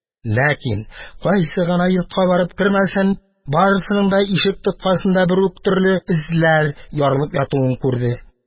Ләкин кайсы гына йортка барып кермәсен, барысының да ишек тоткасында бер үк төрле эзләр ярылып ятуын күрде.